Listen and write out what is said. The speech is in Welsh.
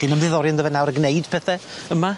Chi'n ymddiddori ynddo fe nawr a gneud pethe yma?